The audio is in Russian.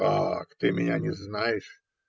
- Как, ты меня не знаешь?